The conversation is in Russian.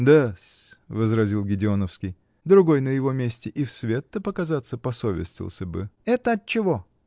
-- Да-с, -- возразил Годеоновский, -- другой на его месте и в свет-то показаться посовестился бы. -- Это отчего?